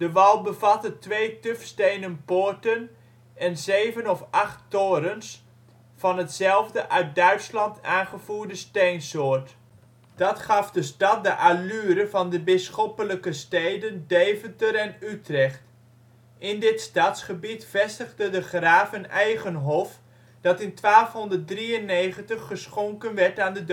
wal bevatte twee tufstenen poorten en zeven of acht torens van hetzelfde uit Duitsland aangevoerde steensoort. Dat gaf de stad de allure van de bisschoppelijke steden Deventer en Utrecht. In dit stadsgebied vestigde de graaf een eigen hof dat in 1293 geschonken werd aan de